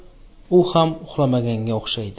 u ham uxlamaganga uxshaydi